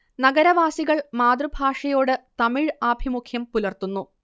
നഗരവാസികൾ മാതൃഭാഷയോട് തമിഴ് ആഭിമുഖ്യം പുലർത്തുന്നു